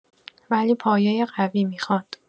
ولی پایه قوی میخواد